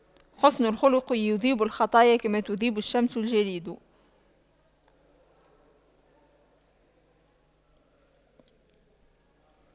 حُسْنُ الخلق يذيب الخطايا كما تذيب الشمس الجليد